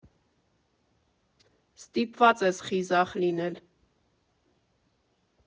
Ստիպված ես խիզախ լինել։